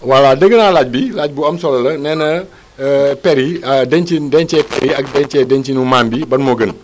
voilà dégg naa laaj bi laaj bu am solo la nee na per yi dencin dencee per yi ak dencee dencinu maam bi ban moo gën